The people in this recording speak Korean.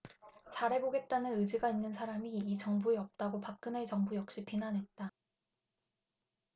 잘해보겠다는 의지가 있는 사람이 이 정부에 없다고 박근혜 정부 역시 비난했다